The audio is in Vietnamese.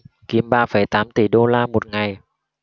kiếm ba phẩy tám tỷ đô la một ngày